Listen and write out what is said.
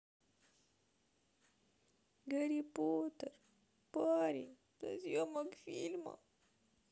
гарри потер парень со съемок фильма